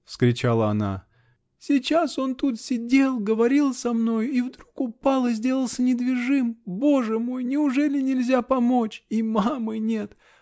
-- вскричала она, -- сейчас он тут сидел говорил со мною -- и вдруг упал и сделался недвижим. Боже мой! неужели нельзя помочь? И мамы нет!